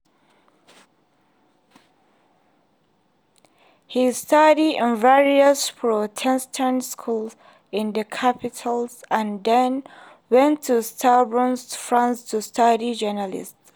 He studied in various Protestant schools in the capital and then went to Strasbourg, France to study journalism.